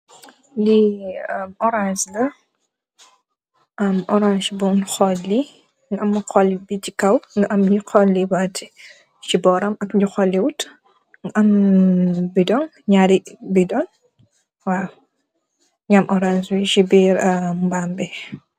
Li am orance la orance bung xoli nga am bun xoli mung si kaw nga am lun holi waat si boram ak lun xolu wut mo am bidon waw mogi am ay orance mung c birr arr mbam bi.